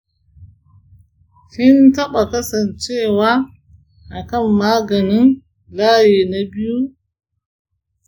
kin taɓa kasancewa a kan maganin layi na biyu?